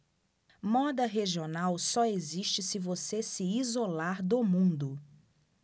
moda regional só existe se você se isolar do mundo